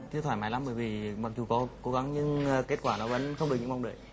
chưa thoải mái lắm bởi vì mặc dù có cố gắng nhưng kết quả nó vẫn không được như mong đợi